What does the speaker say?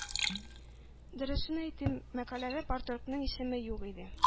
Дөресен әйтим, мәкаләдә парторгның исеме юк иде.